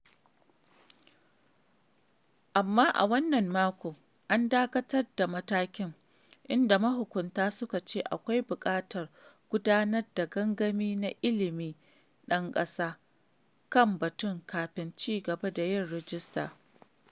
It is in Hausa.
Amma a wannan makon, an dakatar da matakin, inda mahukunta suka ce akwai buƙatar gudanar da gangami na "ilimin ɗan ƙasa" kan batun kafin ci gaba da yin rajista.